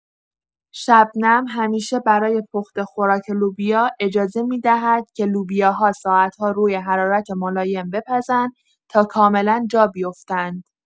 شبنم همیشه برای پخت خوراک لوبیا، اجازه می‌دهد که لوبیاها ساعت‌ها روی حرارت ملایم بپزند تا کاملا جا بیفتند.